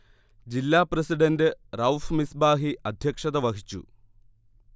ജില്ല പ്രസിഡൻറ് റഊഫ് മിസ്ബാഹി അധ്യക്ഷത വഹിച്ചു